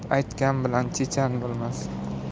ko'p aytgan bilan chechan bo'lmas